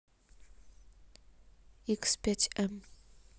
икс пять эм